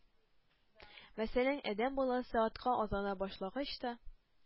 Мәсәлән, адәм баласы атка атлана башлагач та,